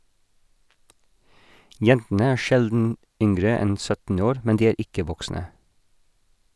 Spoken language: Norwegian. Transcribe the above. - Jentene er sjelden yngre enn 17 år, men de er ikke voksne.